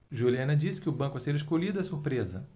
juliana disse que o banco a ser escolhido é surpresa